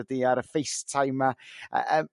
dydy ar y facetime 'ma'. A yrm